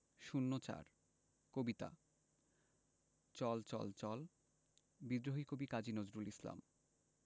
০৪ কবিতা চল চল চল বিদ্রোহী কবি কাজী নজরুল ইসলাম